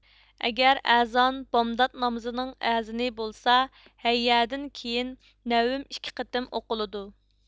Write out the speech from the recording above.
ئەگەر ئەزان بامدات نامىزىنىڭ ئەزىنى بولسا ھەييە دىن كېيىن نەۋم ئىككى قېتىم ئوقۇلىدۇ